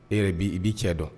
E yɛrɛ bi' i b'i cɛ dɔn